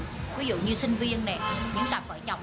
ví dụ như sinh viên này những cặp vợ chồng